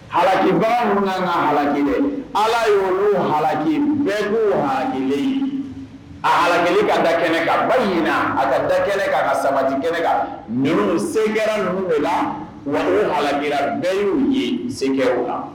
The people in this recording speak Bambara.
Haki bara min ka alaki ala y ye olu haki'u ha ye a haki ka da kɛnɛ ka ba ɲiniina a ka da kɛnɛ ka ka sabati kɛnɛ kan ninnu sen kɛra numu la wali alakira y'u ye sen u la